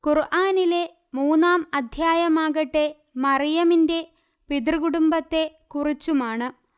ഖുർആനിലെ മൂന്നാം അധ്യായമാകട്ടെ മർയമിന്റെ പിതൃകുടുംബത്തെ കുറിച്ചുമാണ്